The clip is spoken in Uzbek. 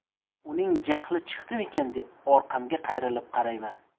uning jahli chiqdimikin deb orqamga qayrilib qarayman